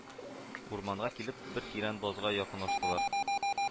Урманга килеп, бер тирән базга якынлаштылар